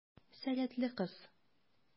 Сәләтле кыз.